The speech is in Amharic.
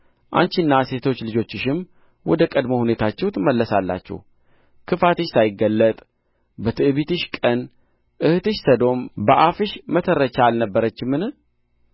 አንቺና ሴቶች ልጆችሽም ወደ ቀድሞ ሁኔታችሁ ትመለሳላችሁ ክፋትሽ ሳይገለጥ በትዕቢትሽ ቀን እኅትሽ ሰዶም በአፍሽ መተረቻ አልነበረችምን